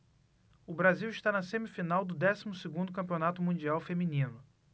o brasil está na semifinal do décimo segundo campeonato mundial feminino